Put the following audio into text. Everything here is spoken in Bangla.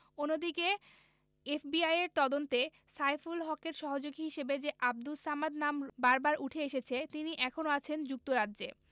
অন্যদিকে এফবিআইয়ের তদন্তে সাইফুল হকের সহযোগী হিসেবে যে আবদুল সামাদের নাম বারবার উঠে এসেছে তিনি এখনো আছেন যুক্তরাজ্যে